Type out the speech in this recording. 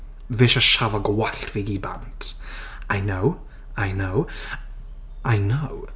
Fi isie siafio gwallt fi gyd bant. I know, I know. I know.